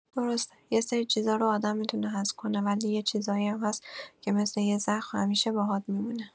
درسته، یه سری چیزا رو آدم می‌تونه هضم کنه، ولی یه چیزایی هم هست که مثل یه زخم همیشه باهات می‌مونه.